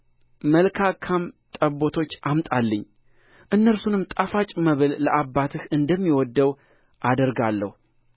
መልካካም ጠቦቶች አምጣልኝ እነርሱንም ጣፋጭ መብል ለአባትህ እንደሚወደው አደርጋለሁ